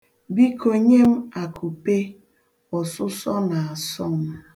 Biko nye m akụpe, ọsụsọ na-asọ m.